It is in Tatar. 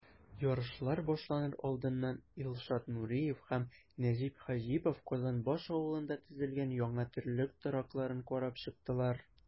Ярышлар башланыр алдыннан Илшат Нуриев һәм Нәҗип Хаҗипов Казанбаш авылында төзелгән яңа терлек торакларын карап чыктылар.